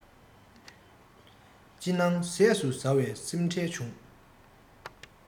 ཅི སྣང ཟས སུ ཟ བས སེམས ཁྲལ ཆུང